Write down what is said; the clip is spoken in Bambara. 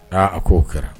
Aa a k'o kɛra